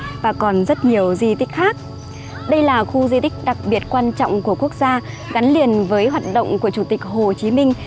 và còn rất nhiều di tích khác dây là khu di tích đặc biệt quan trọng của quốc gia gắn liền với hoạt động của chủ tịch hồ chí minh